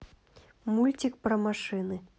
мультик про машины